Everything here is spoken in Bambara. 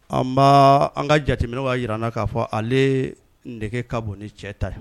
An baa, an ka jateminɛw y'a jira k'a fɔ k'ale nɛgɛ ka bon ni cɛ ta ye.